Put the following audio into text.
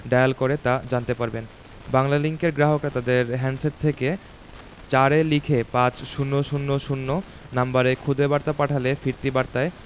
dial করে তা জানতে পারবেন বাংলালিংকের গ্রাহকরা তাদের হ্যান্ডসেট থেকে ৪ এ লিখে পাঁচ শূণ্য শূণ্য শূণ্য নম্বরে খুদে বার্তা পাঠালে ফিরতি বার্তায়